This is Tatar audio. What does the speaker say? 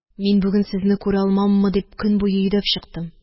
Мин бүген, сезне күрә алмаммы дип, көн буе йөдәп чыктым.